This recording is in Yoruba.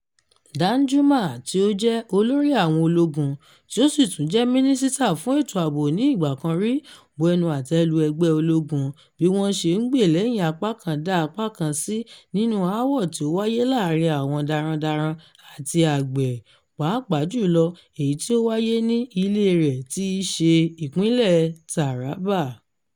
Danjuma, tí ó jẹ olórí àwọn ológun, tí o si tún jẹ́ mínísítà fún ètò abo ní ìgbà kan rí, bu ẹnu àtẹ́ lu ẹgbẹ́ ológun bí wọ́n ṣe ń gbé lẹ́yìn apá kan dá apá kan sí nínú aáwọ̀ tí ó wáyé láàárín àwọn darandaran àti àgbẹ̀, pàápàá jù lọ èyí tí ó wáyé ní ilée rẹ̀ tí í ṣe ìpínlẹ̀ Taraba.